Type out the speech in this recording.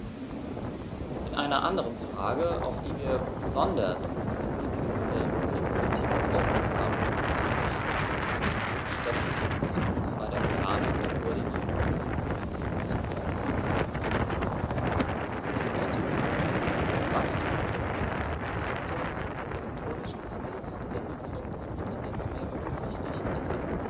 In einer anderen Frage, auf die wir besonders unter dem Blickwinkel der Industriepolitik aufmerksam machen möchten, hätten wir uns gewünscht, dass die Kommission bei der Planung der Koordinierung von Kohäsionsfonds und Strukturfonds die Auswirkungen des Wachstums des Dienstleistungssektors, des elektronischen Handels und der Nutzung des Internets mehr berücksichtigt hätte.